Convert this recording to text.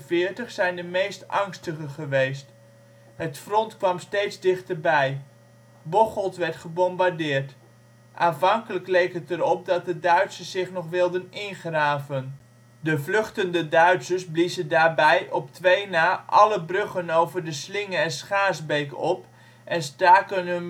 1945 zijn de meest angstige geweest, het front kwam steeds dichterbij. Bocholt werd gebombardeerd. Aanvanklijk leek het erop dat de Duitsers zich nog wilden ingraven. De vluchtende Duitsers bliezen daarbij (op twee na) alle bruggen over de Slinge - en Schaarsbeek op en staken hun